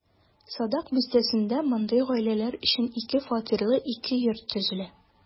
Садак бистәсендә мондый гаиләләр өчен ике фатирлы ике йорт төзелә.